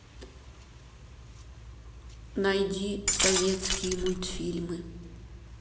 найди советские мультфильмы